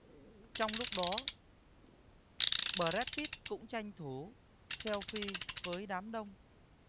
trong lúc đó brad pitt cũng tranh thủ selfie với đám đông